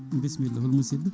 bisimilla hol musidɗo